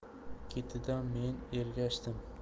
ketidan men ergashdim